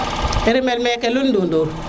rimel meke lul nɗundur